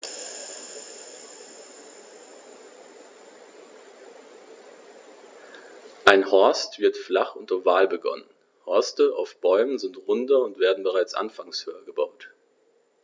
Ein Horst wird flach und oval begonnen, Horste auf Bäumen sind runder und werden bereits anfangs höher gebaut.